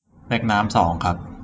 เล็กน้ำสองครับ